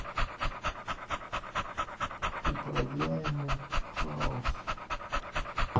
управляемый хаос